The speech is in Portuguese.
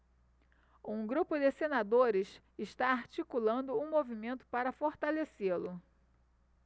um grupo de senadores está articulando um movimento para fortalecê-lo